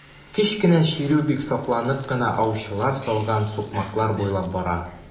Кечкенә чирү бик сакланып кына аучылар салган сукмаклар буйлап бара.